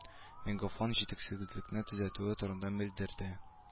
Мегафон җитешсезлекне төзәтүе турында белдерде